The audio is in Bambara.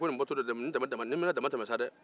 a ko nin bɔ tɔ don nin dama nin bɛna dama tɛmɛ sa dɛɛ